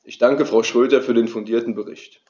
Ich danke Frau Schroedter für den fundierten Bericht.